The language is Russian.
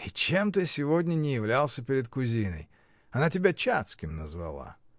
— И чем ты сегодня не являлся перед кузиной! Она тебя Чацким назвала.